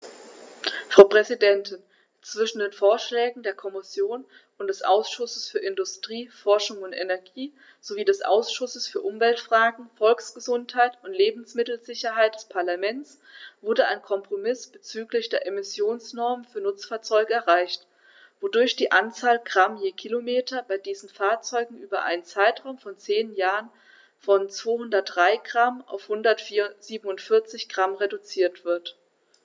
Frau Präsidentin, zwischen den Vorschlägen der Kommission und des Ausschusses für Industrie, Forschung und Energie sowie des Ausschusses für Umweltfragen, Volksgesundheit und Lebensmittelsicherheit des Parlaments wurde ein Kompromiss bezüglich der Emissionsnormen für Nutzfahrzeuge erreicht, wodurch die Anzahl Gramm je Kilometer bei diesen Fahrzeugen über einen Zeitraum von zehn Jahren von 203 g auf 147 g reduziert wird.